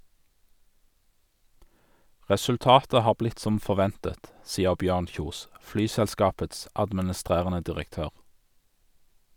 Resultatet har blitt som forventet, sier Bjørn Kjos, flyselskapets administrerende direktør.